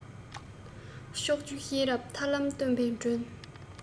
ཕྱོགས བཅུའི གཤེན རབ ཐར ལམ སྟོན པའི སྒྲོན